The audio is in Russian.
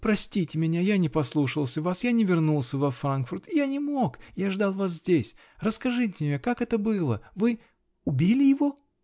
-- Простите меня, я не послушался вас, я не вернулся во Франкфурт. Я не мог! Я ждал вас здесь. Расскажите мне, как это было! Вы. убили его?